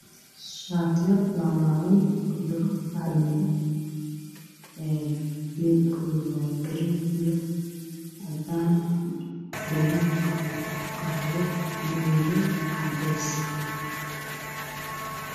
Waa shaatiyo midnimadooda yihiin cadaan madow